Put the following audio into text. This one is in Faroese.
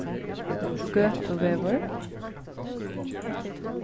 gøtuvegur